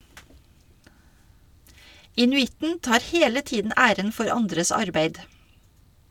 Inuitten tar hele tiden æren for andres arbeid.